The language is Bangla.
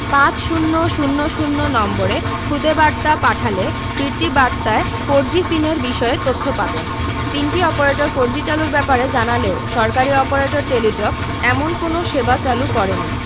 পাঁচ শূণ্য শূণ্য শূণ্য নম্বরে খুদে বার্তা পাঠালে ফিরতি বার্তায় ফোরজি সিমের বিষয়ে তথ্য পাবেন তিনটি অপারেটর ফোরজি চালুর ব্যাপারে জানালেও সরকারি অপারেটর টেলিটক এমন কোনো সেবা চালু করেনি